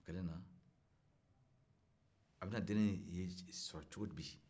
o kɛlen na a bɛna deni sɔrɔ cogodi